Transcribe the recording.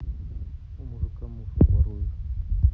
у мужика мусор воруют